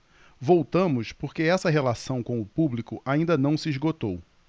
voltamos porque essa relação com o público ainda não se esgotou